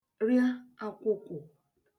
rịa àkwụkwụ̀